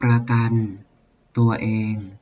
ประกันตัวเอง